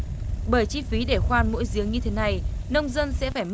bởi chi phí để khoan mỗi giếng như thế này nông dân sẽ phải